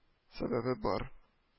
Сәбәбе бар